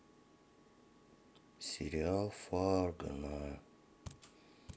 сериал фарго на